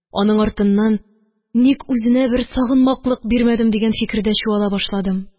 Аның артыннан, ник үзенә бер сагынмаклык бирмәдем, дигән фикердә чуала башладым.